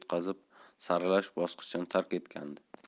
yutqazib saralash bosqichini tark etgandi